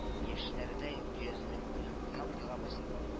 Яшьләредәй көязлек белән кнопкага басып